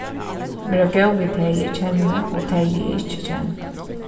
verða góð við tey eg kenni og tey eg ikki kenni